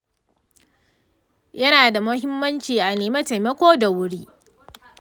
ya na da muhimmanci a nemi taimako da wuri.